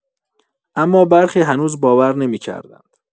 اما برخی هنوز باور نمی‌کردند.